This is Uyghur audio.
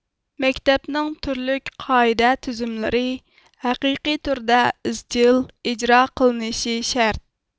مەكتەپنىڭ تۈرلۈك قائىدە تۈزۈملىرى ھەقىقىي تۈردە ئىزچىل ئىجرا قىلىنىشى شەرت